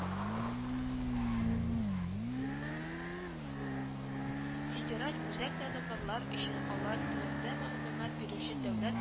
Федераль үзәк тә татарлар өчен алар телендә мәгълүмат бирүче дәүләт